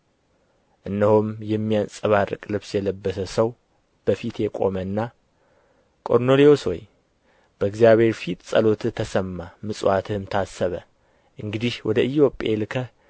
እነሆም የሚያንጸባርቅ ልብስ የለበሰ ሰው በፊቴ ቆመና ቆርኔሌዎስ ሆይ በእግዚአብሔር ፊት ጸሎትህ ተሰማ ምጽዋትህም ታሰበ እንግዲህ ወደ ኢዮጴ ልከህ